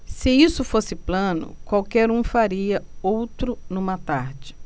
se isso fosse plano qualquer um faria outro numa tarde